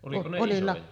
oliko ne isoja